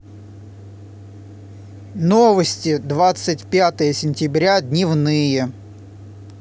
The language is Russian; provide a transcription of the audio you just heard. новости двадцать пятое сентября дневные